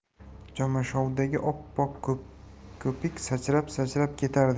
jomashovdagi oppoq ko'pik sachrab sachrab ketardi